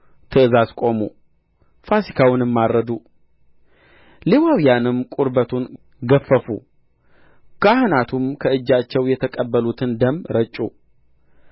ትእዛዝ ቆሙ ፋሲካውንም አረዱ ሌዋውያኑም ቁርበቱን ገፈፉ ካህናቱም ከእጃቸው የተቀበሉትን ደም ረጩ